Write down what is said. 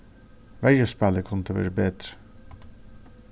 verjuspælið kundi verið betri